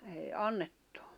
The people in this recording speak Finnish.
ei annettu